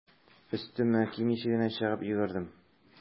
Өстемә кимичә генә чыгып йөгердем.